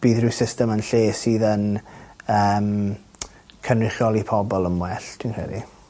bydd ryw system yn lle sydd yn yym cynrychioli pobol yn well dwi'n credu.